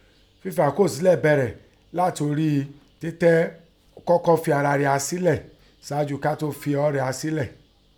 Fífi àókò sẹlẹ̀ bẹ̀rẹ̀ látin orí títètè kọ́kọ́ fin ara ria sẹ́lẹ̀ síájú ká tó fi ọọ́ ria sélẹ̀.